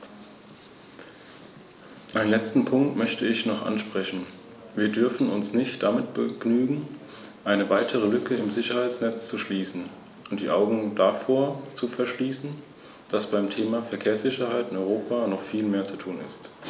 Deshalb schlagen meine Fraktion und ich drei wichtige Änderungen und Zusätze vor, mit denen wir den Vorschlag in keiner Weise verwässern, sondern mit denen wir seine Relevanz für diejenigen, denen er als Anleitung dienen soll, erhöhen wollen.